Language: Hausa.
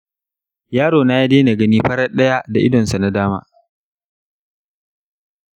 yarona ya daina gani farat ɗaya da idonsa na dama.